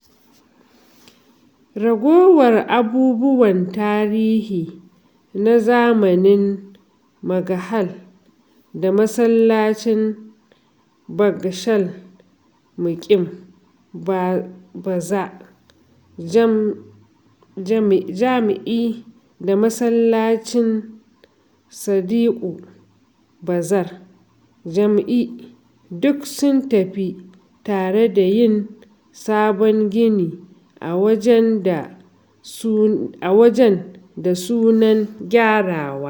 Ragowar abubuwan tarihi na zamanin Mughal a masallacin Bangshal Mukim Baza Jam-e da masallacin Siddiƙue Bazar Jam-e duk sun tafi, tare da yin sabon gini a wajen da sunan gyarawa.